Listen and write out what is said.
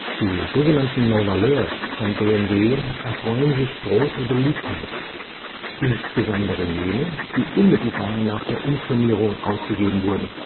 Die sogenannten Nonvaleurs von BMW erfreuen sich großer Beliebtheit, insbesondere jene, die unmittelbar nach der Umfirmierung ausgegeben wurden